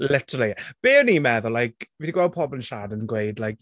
Literally. Be o'n i'n meddwl, like fi 'di gweld pobl yn siarad yn gweud like...